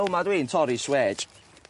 Fel 'ma dwi'n torri swêj.